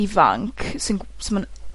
ifanc, sy'n gw-